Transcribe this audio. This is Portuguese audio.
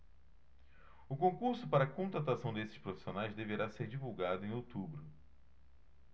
o concurso para contratação desses profissionais deverá ser divulgado em outubro